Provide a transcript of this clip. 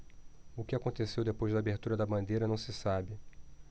o que aconteceu depois da abertura da bandeira não se sabe